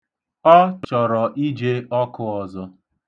Ọ chọrọ ije ọkụ ọzọ.